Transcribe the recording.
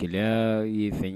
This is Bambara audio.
Gɛlɛya i ye fɛn ye